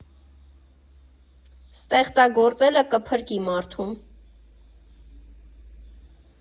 Ստեղծագործելը կփրկի մարդուն։